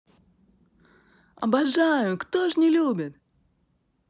обожаю кто ж не любит